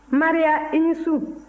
maria i ni su